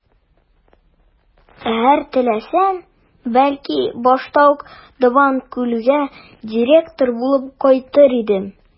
Әгәр теләсәм, бәлки, башта ук Табанкүлгә директор булып кайтыр идем.